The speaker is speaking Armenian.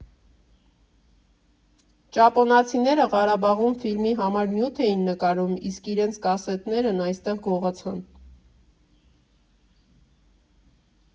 Ճապոնացիները Ղարաբաղում ֆիլմի համար նյութ էին նկարում, իսկ իրենց կասետներն այստեղ գողացան։